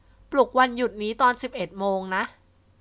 ปลุกวันหยุดนี้ตอนสิบเอ็ดโมงนะ